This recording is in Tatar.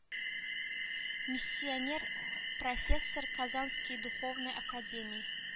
Миссионер профессор казанской духовной академии